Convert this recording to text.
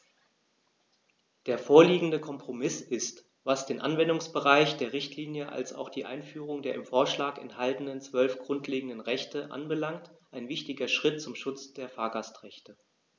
Der vorliegende Kompromiss ist, was den Anwendungsbereich der Richtlinie als auch die Einführung der im Vorschlag enthaltenen 12 grundlegenden Rechte anbelangt, ein wichtiger Schritt zum Schutz der Fahrgastrechte.